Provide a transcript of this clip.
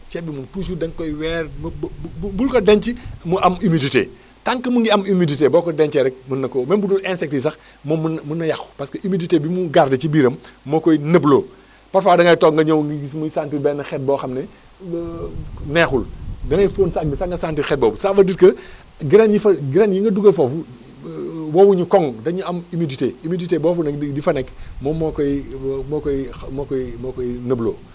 ceeb bi moom toujours da nga koy weer ba ba bul ko denc mu am humidité tant que mu ngi am humidité boo ko dencee rek mën na ko même bu dul insecte yi sax moom mën na mën na yàqu parce que humidité bi mu gardé ci biiram moo koy nëbloo parfois da ngay toog nga ñëw ñu gis muy sentir benn xet boo xam ne neexul da ngay fóon saak bi sax nga sentir xet boobu ça veut dire que graine yi fa graine yi nga dugal foofu wowuñu koŋŋ dañuy am humidité humidité boobu nag di fa nekk moom moo koy moo koy moo koy moo koy nëbloo